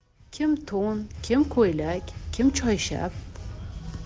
kim to'n kim ko'ylak kim choyshab